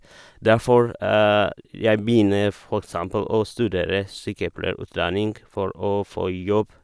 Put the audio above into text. Derfor jeg begynner for eksempel å studere sykepleierutdanning for å få jobb.